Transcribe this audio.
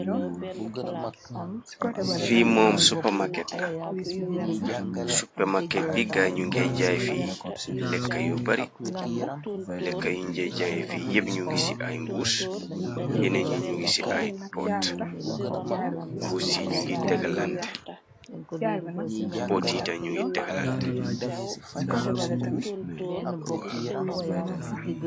Fi moom supermarket la supermarket bi gaay ñu ngey jaay fi lekka yu bari lekka yu njee jaay fi yépp ñu ngi ci ay mbuus yenee ñi ñu ngi ci ay pot mbuus yi ñu ngir teggalante potiita ñu ngir tegalante.